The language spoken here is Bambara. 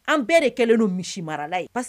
An bɛɛ de kɛlɛ don misi mara la